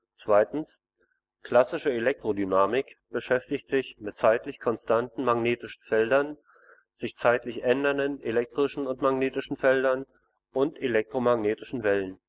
Körper. Klassische Elektrodynamik beschäftigt sich mit zeitlich konstanten magnetischen Feldern, sich zeitlich ändernden elektrischen und magnetischen Feldern und elektromagnetischen Wellen